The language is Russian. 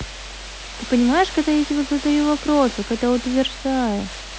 ты понимаешь когда я задаю вопросы когда утверждаю